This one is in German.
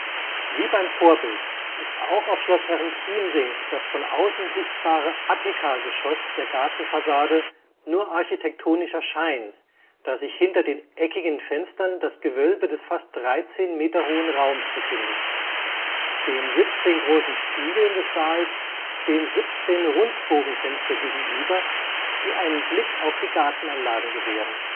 Wie beim Vorbild ist auch auf Schloss Herrenchiemsee das von außen sichtbare Attikageschoss der Gartenfassade nur architektonischer Schein, da sich hinter den eckigen Fenstern das Gewölbe des fast 13 Meter hohen Raums befindet. Den 17 großen Spiegeln des Saals stehen 17 Rundbogenfenster gegenüber, die einen Blick auf die Gartenanlagen gewähren